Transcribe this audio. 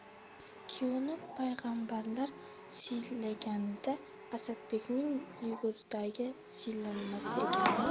kuyovni payg'ambarlar siylaganida asadbekning yugurdagi siylamas ekanmi